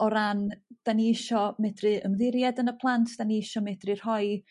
o ran 'dan i isio medru ymddiried yn y plant 'dan ni isio medru rhoi